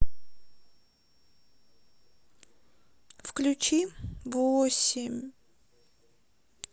включи восемь